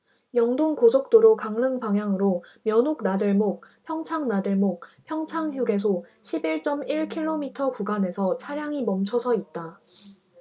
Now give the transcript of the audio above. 영동고속도로 강릉방향으로 면옥나들목 평창나들목 평창휴게소 십 일 쩜 일 키로미터 구간에서 차량이 멈춰서 있다